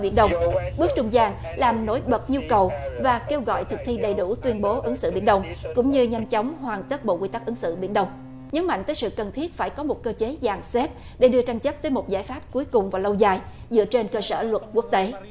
biển đông bước trung gian làm nổi bật nhu cầu và kêu gọi thực thi đầy đủ tuyên bố ứng xử biển đông cũng như nhanh chóng hoàn tất bộ quy tắc ứng xử biển đông nhấn mạnh tới sự cần thiết phải có một cơ chế dàn xếp để đưa tranh chấp tới một giải pháp cuối cùng và lâu dài dựa trên cơ sở luật quốc tế